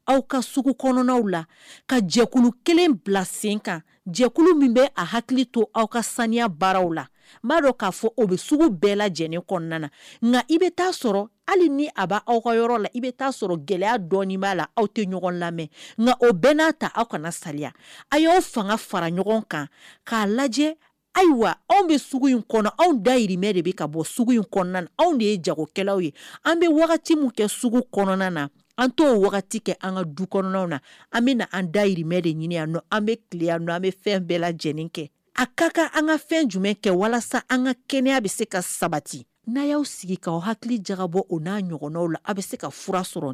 Aw ka sugu kɔnɔn la ka jɛkulu kelen bila sen kan jɛkulu min bɛ a hakili to aw ka saniya baaraw la m'a dɔn k'a fɔ u bɛ sugu bɛɛ jɛ kɔnɔna na nka i bɛ'a sɔrɔ hali ni a bɛ aw ka yɔrɔ la i bɛ'a sɔrɔ gɛlɛya dɔɔni b'a la aw tɛ ɲɔgɔn lamɛn nka o bɛɛ n'a ta aw kana sariya a y'aw fanga fara ɲɔgɔn kan k'a lajɛ ayiwa anw bɛ in anw dayimɛ de bɛ ka bɔ sugu in kɔnɔna anw de ye jagokɛlaw ye an bɛ wagati min kɛ sugu kɔnɔna na an t' wagati kɛ an ka du kɔnɔnw na an bɛ an dayimɛ de ɲini an bɛ tilen an bɛ fɛn bɛɛ la j kɛ a ka ka an ka fɛn jumɛn kɛ walasa an ka kɛnɛya bɛ se ka sabati n'a y'aw sigi k'aw hakili jagabɔ u n'a ɲɔgɔn la aw bɛ se ka fura sɔrɔ